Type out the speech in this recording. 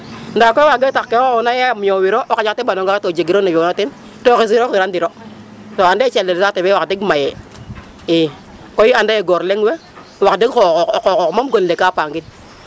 Ndaa koy waago tax ke xooxoona yaam ñoowir o xaƴ xa teɓandong axe to jegiro ne fi'oona den to xesiro xirandiro to ande calel no saate fe wax deg mayee ii koy i anda ye gor leŋ we wax deg xooxoox o qooxoox moom gon le ka paangin .